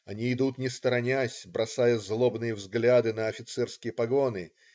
Они идут не сторонясь, бросая злобные взгляды, на офицерские погоны.